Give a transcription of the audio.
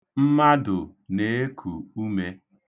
Mmadụ na-eku ume.